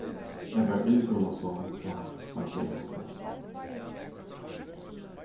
eg varð illgrunasom tá hann segði hatta